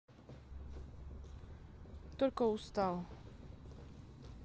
только устал